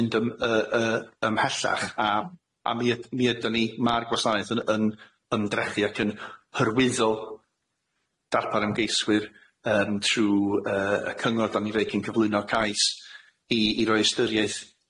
mynd ym yy yy ymhellach a a mi yd- mi ydan ni ma'r gwasanaeth yn yn ymdrechu ac yn hyrwyddo darpar ymgeiswyr yym trw yy y cyngor da ni neud cyn cyflwyno cais i i roi ystyriaeth